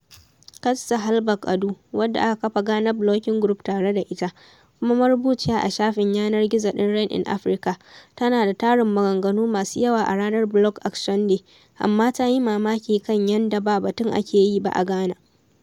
Kajsa Hallberg Adu, wadda aka kafa Ghana Blogging Group tare da ita, kuma marubuciya a shafin yanar gizo ɗin Rain In Africa, tana da tarin maganganu masu yawa a ranar Blog Action Day, amma ta yi mamaki kan "yanda ba batun ake yi ba a Ghana."